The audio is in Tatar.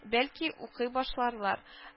Бәлки укый башларлар